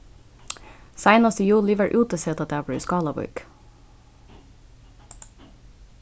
seinast í juli var útisetadagur í skálavík